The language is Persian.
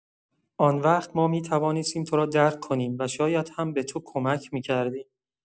آن‌وقت ما می‌توانستیم تو را درک کنیم و شاید هم به تو کمک می‌کردیم.